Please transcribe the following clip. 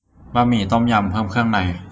บะหมี่ต้มยำเพิ่มเครื่องใน